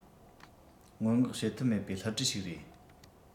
སྔོན འགོག བྱེད ཐབས མེད པའི བསླུ བྲིད ཞིག རེད